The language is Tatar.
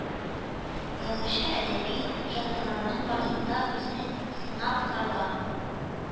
Язучы әдәби жанрларның барсында да үзен сынап караган